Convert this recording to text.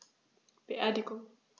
Beerdigung